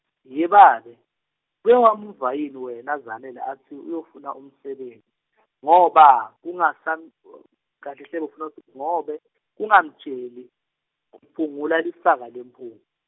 Yebabe, uke wamuva yini wena Zanele atsi uyofuna umseben- , ngoba, kungasam- , ngobe kungasamtjeli, -phungule lisaka lemphu-.